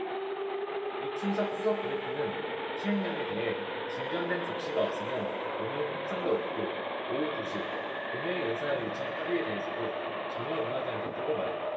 이춘석 수석부대표는 시행령에 대해 진전된 조치가 없으면 오늘 협상도 없고 오후 두 시 본회의 의사일정 합의에 대해서도 전혀 응하지 않겠다고 말했다